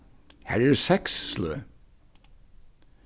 har eru seks sløg